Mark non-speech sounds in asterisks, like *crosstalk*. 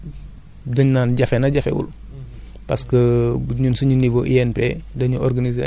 waaw parce que *hesitation* compost moom peut être dañ naan jafe na jafewul